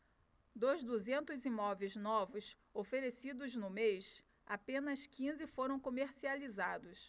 dos duzentos imóveis novos oferecidos no mês apenas quinze foram comercializados